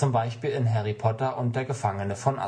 Beispiel in Harry Potter und der Gefangene von